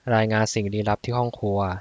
รายงานสิ่งลี้ลับที่ห้องครัว